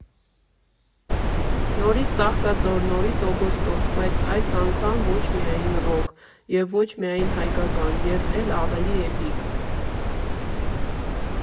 Նորից Ծաղկաձոր, նորից օգոստոս, բայց այս անգամ ոչ միայն ռոք (և ոչ միայն հայկական) և էլ ավելի էպիկ։